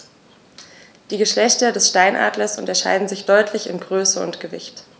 Die Geschlechter des Steinadlers unterscheiden sich deutlich in Größe und Gewicht.